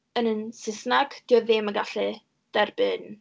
yn un Saesneg, dio ddim yn gallu derbyn...